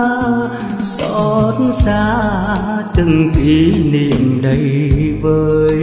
xót xa từng kỷ niệm đầy vơi